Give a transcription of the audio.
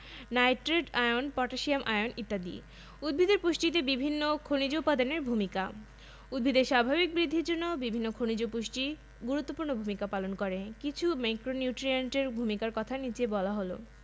nitrate ion potassium ion ইত্যাদি উদ্ভিদের পুষ্টিতে বিভিন্ন খনিজ উপাদানের ভূমিকা উদ্ভিদের স্বাভাবিক বৃদ্ধির জন্য বিভিন্ন খনিজ পুষ্টি গুরুত্বপূর্ণ ভূমিকা পালন করে কিছু ম্যাক্রোনিউট্রিয়েন্টের ভূমিকার কথা নিচে বলা হল